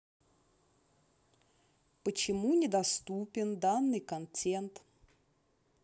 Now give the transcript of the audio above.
почему недоступен данный контент